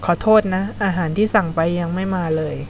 ขอโทษนะอาหารที่สั่งไปยังไม่มาเลย